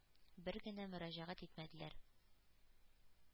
Бер генә мөрәҗәгать итмәделәр.